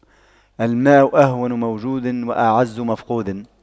الماء أهون موجود وأعز مفقود